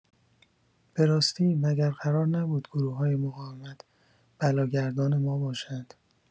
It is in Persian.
براستی مگر قرار نبود گروه‌های مقاومت بلا گردان ما باشند؟